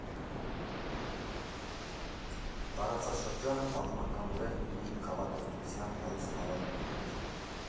Տարածաշրջանը պատմականորեն ունի կավագործության հարուստ ավանդույթներ։